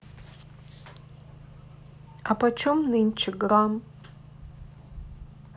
а почем нынче грамм